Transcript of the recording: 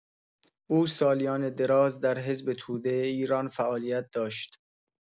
او سالیان دراز در حزب توده ایران فعالیت داشت.